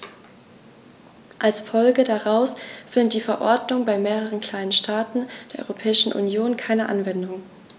Als Folge daraus findet die Verordnung bei mehreren kleinen Staaten der Europäischen Union keine Anwendung.